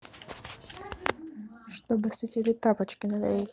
чтобы слетели тапочки налей